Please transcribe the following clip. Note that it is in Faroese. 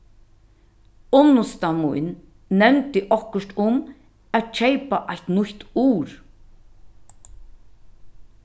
unnusta mín nevndi okkurt um at keypa eitt nýtt ur